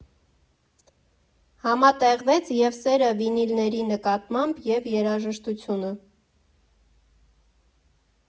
Համատեղվեց և՛ սերը վինիլների նկատմամբ, և՛ երաժշտությունը»։